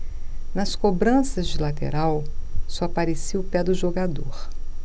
nas cobranças de lateral só aparecia o pé do jogador